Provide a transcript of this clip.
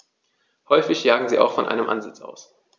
Häufig jagen sie auch von einem Ansitz aus.